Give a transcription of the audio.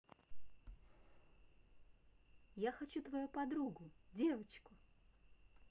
я хочу твою подругу девочку